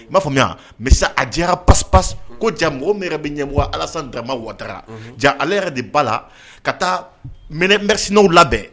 I m'a faamuya a mais sisan a jɛyara paspas unhun ko ja mɔgɔ min yɛrɛ bɛ ɲɛmɔgɔya Alassane Dramane Watara ja ala yɛrɛ de ba laa unhun ka taa mɛnɛ mercenaire u labɛn